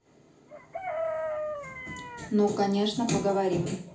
ну конечно поговорим